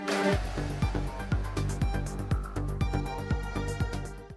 San